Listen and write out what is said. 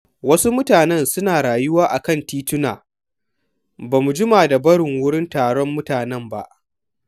Wasu mutanen suna rayuwa a kan tituna, ba mu jima da barin wurin taron mutane ba.